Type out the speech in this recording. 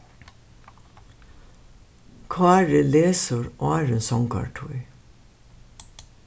kári lesur áðrenn songartíð